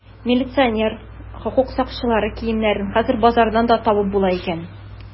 Милиционер, хокук сакчылары киемнәрен хәзер базардан да табып була икән.